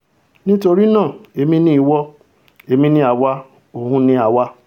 Nítorí náà Èmi ni ìwọ, Èmi ni àwa, òhun ni àwa.